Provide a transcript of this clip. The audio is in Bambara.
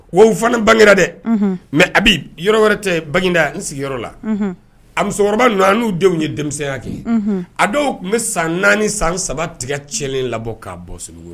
Wo u fana bangera dɛ unhun mais Habi yɔrɔ wɛrɛ tɛ Baginda n sigiyɔrɔ la unhun a musokɔrɔba ninnu an n'u denw ye denmisɛnya kɛ unhun a dɔw tun be san 4 san 3 tiga cɛnlen labɔ k'a bɔn sunuŋu